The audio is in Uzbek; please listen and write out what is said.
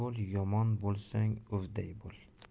yomon bo'lsang uvday bo'l